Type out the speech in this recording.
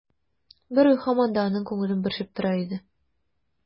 Бер уй һаман да аның күңелен борчып тора иде.